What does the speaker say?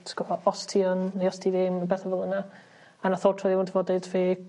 ti gwbo os ti yn neu os ti ddim ryw betha fel yna. A nath o troi fo deud fi